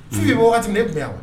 Bɛ de yan wa